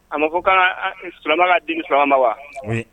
A ma fɔ k'an ka aa, silamɛk'a digi silamɛ kan wa oui